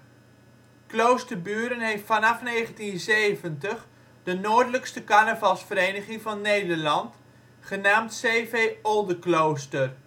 Kloosterburen heeft vanaf 1970 de noordelijkste carnavalsvereniging van Nederland, genaamd cv Oldeclooster